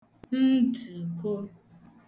ndùko